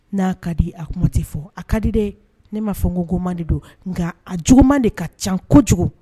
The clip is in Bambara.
N'a ka di a kuma tɛ fɔ a kadide ne m maa fɔ kokoman de don nka a juguman de ka ca kojugu